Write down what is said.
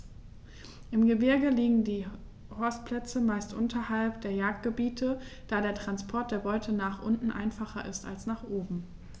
Im Gebirge liegen die Horstplätze meist unterhalb der Jagdgebiete, da der Transport der Beute nach unten einfacher ist als nach oben.